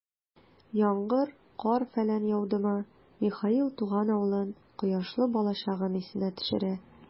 Яңгыр, кар-фәлән яудымы, Михаил туган авылын, кояшлы балачагын исенә төшерә.